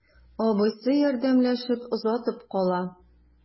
Абыйсы ярдәмләшеп озатып кала.